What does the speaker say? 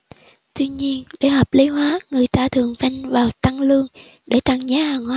tuy nhiên để hợp lý hóa người ta thường vin vào tăng lương để tăng giá hàng hóa